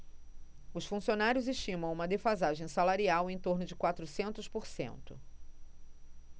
os funcionários estimam uma defasagem salarial em torno de quatrocentos por cento